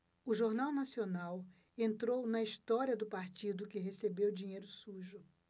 o jornal nacional entrou na história do partido que recebeu dinheiro sujo